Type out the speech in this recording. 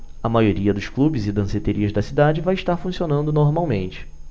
a maioria dos clubes e danceterias da cidade vai estar funcionando normalmente